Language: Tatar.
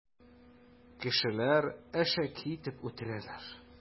Кешеләр әшәке итеп үтерәләр.